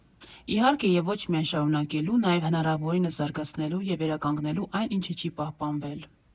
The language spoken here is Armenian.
Իհարկե, և ոչ միայն շարունակելու, նաև հնարավորինս զարգացնելու և վերականգնելու այն, ինչը չի պահպանվել։